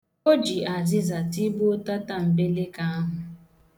O ji azịza tigbuo tatambeleke ahụ.